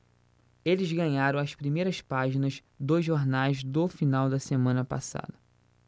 eles ganharam as primeiras páginas dos jornais do final da semana passada